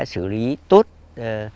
sử lí tốt